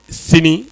Sini